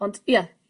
Ond ia.